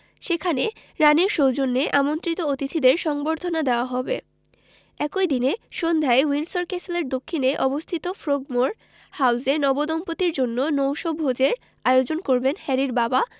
সেখানে রানির সৌজন্যে আমন্ত্রিত অতিথিদের সংবর্ধনা দেওয়া হবে একই দিন সন্ধ্যায় উইন্ডসর ক্যাসেলের দক্ষিণে অবস্থিত ফ্রোগমোর হাউসে নবদম্পতির জন্য নৈশভোজের আয়োজন করবেন হ্যারির বাবা